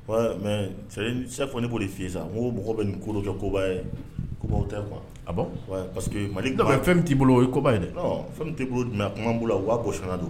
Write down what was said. wɛ Mais, c'est à dire, chaque fois ne bɛ o de fɔ i ye sa. N ko mɔgɔ bɛ nin ko dɔw kɛ koba ye, kobaw tɛ quoi . Ah bon . Wɛ parce que Mali . Non mais fɛn min t'i bolo o ye koba ye dɛ. Non fɛn min t'i bolo mais a tun bɛ an bolo la, o y'a bɔsi an na de.